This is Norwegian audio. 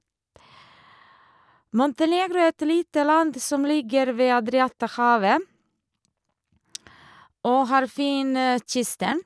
Montenegro er et lite land som ligger ved Adriaterhavet og har fin kysten.